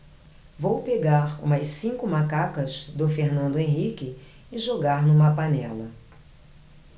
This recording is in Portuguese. vou pegar umas cinco macacas do fernando henrique e jogar numa panela